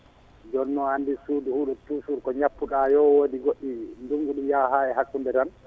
joni noon andi suudu huuɗo toujours ko ñappuga yo ɗi ngoɗɗi ndungu ɗum yaaha ha e hakkude tan